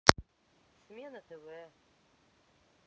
сметана тв